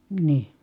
niin